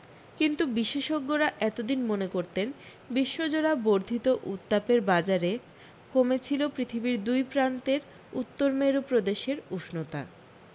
কিন্তু বিশেষজ্ঞেরা এত দিন মনে করতেন বিশ্বজোড়া বর্ধিত উত্তাপের বাজারে কমেছিল পৃথিবীর দুই প্রান্তের উত্তর মেরু প্রদেশের উষ্ণতা